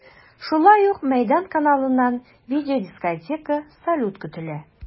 Шулай ук “Мәйдан” каналыннан видеодискотека, салют көтелә.